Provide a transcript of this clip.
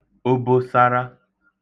obosara